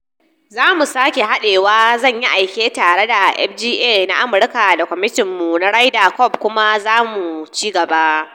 Za mu sake haɗewa, zan yi aiki tare da PGA na Amurka da kwamitinmu na Ryder Cup kuma za mu ci gaba.